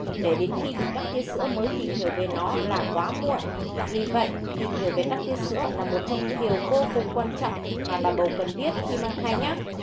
để đến khi bị tắc tia sữa mới tìm hiểu về nó là quá muộn vì vậy tìm hiểu về tắc tia sữa là một trong những điều vô cùng quan trọng mà bà bầu cần biết khi mang thai nhé